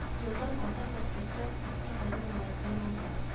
Елдан артык мәктәптә укытты хәзер лаеклы ялда